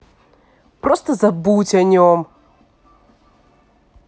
просто забудь о нем